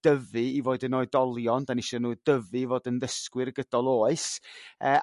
dyfu i foid yn oedolion dan ni isio nhw i dyfu fod yn ddysgwyr gydol oes yrr